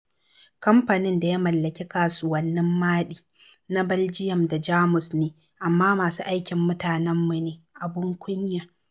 Kamfanin [da ya mallaki kasuwannin Maɗi] na Baljiyam da Jamus ne amma masu aikin mutanenmu ne! Abin kunya!